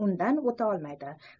undan o'ta olmaydi